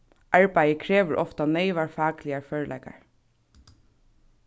arbeiðið krevur ofta neyvar fakligar førleikar